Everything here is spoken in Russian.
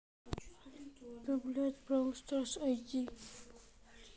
да блять в brawl stars id